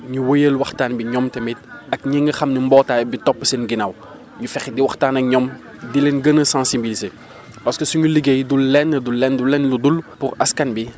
ñu wëyal waxtaan bi ñoom tamit ak ñi nga xam ne mbootaay bi topp seen ginnaaw énu fexe di waxtaan ak ñoom di leen gën a sensibiliser parce que suñu liggéey du lenn du lenn lu dul pour askan bi